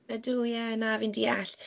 Ydw, ie na fi'n deall.